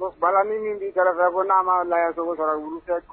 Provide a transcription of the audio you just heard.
N'a ma a a